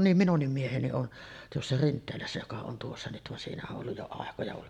niin minunkin mieheni on tuossa Rinteelässä joka on tuossa nyt vaan siinä on ollut jo aikoja vaan